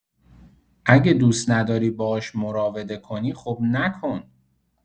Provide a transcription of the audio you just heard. اگه دوست نداری باهاش مراوده کنی، خب نکن.